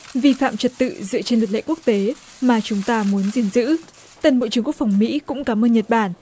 vi phạm trật tự dựa trên luật lệ quốc tế mà chúng ta muốn gìn giữ tân bộ trưởng quốc phòng mỹ cũng cảm ơn nhật bản